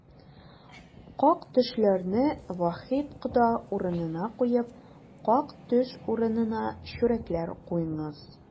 Как-төшләрне Вахит кода урынына куеп, как-төш урынына чүрәкләр куеңыз!